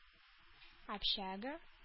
Общага